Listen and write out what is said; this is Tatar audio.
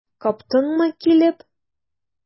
Каптыңмы килеп?